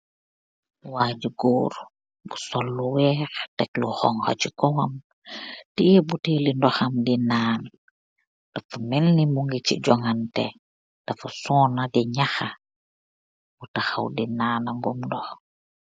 goor buiyi johganteh tai di nanenn dohh.